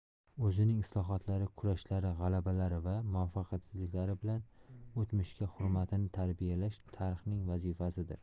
o'zining islohotlari kurashlari g'alabalari va muvaffaqiyatsizliklari bilan o'tmishga hurmatni tarbiyalash tarixning vazifasidir